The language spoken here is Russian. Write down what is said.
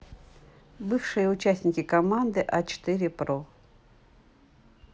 бывшие участники команды а четыре про